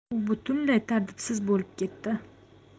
u butunlay tartibsiz bo'lib ketdi